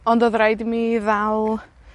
Ond odd raid i mi ddal